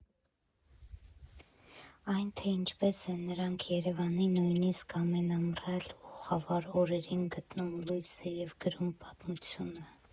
Այն, թե ինչպես են նրանք Երևանի նույնիսկ ամենամռայլ ու խավար օրերին գտնում լույսը և գրում պատմությունը։